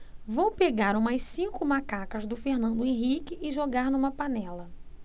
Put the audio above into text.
vou pegar umas cinco macacas do fernando henrique e jogar numa panela